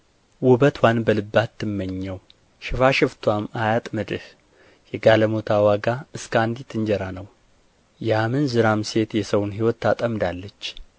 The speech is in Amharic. ውበትዋን በልብህ አትመኘው ሽፋሽፍትዋም አያጥምድህ የጋለሞታ ዋጋ እስከ አንዲት እንጀራ ነው አመንዝራም ሴት የሰውን ሕይወት ታጠምዳለች